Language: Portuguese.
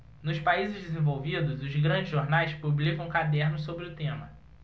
nos países desenvolvidos os grandes jornais publicam cadernos sobre o tema